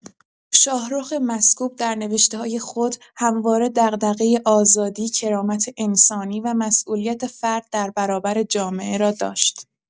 شاهرخ مسکوب در نوشته‌های خود همواره دغدغه آزادی، کرامت انسانی و مسئولیت فرد در برابر جامعه را داشت.